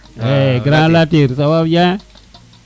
Grand Latir ca va bien